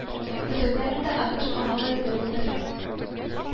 Көтелмәгәндә АКыШ аңа гаепләү белдергән